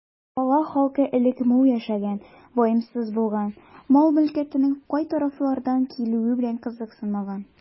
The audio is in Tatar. Кала халкы элек мул яшәгән, ваемсыз булган, мал-мөлкәтнең кай тарафлардан килүе белән кызыксынмаган.